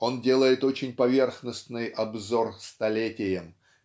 Он делает очень поверхностный обзор столетиям